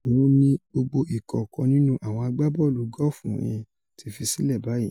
Ohun ni gbogbo ìkọ̀ọ̀kan nínú àwọn agbábọ́ọ̀lù gọ́ọ̀fù wọ̀nyẹn ti fi sílẹ̀ báyìí.